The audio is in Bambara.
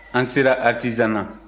an sera aritizana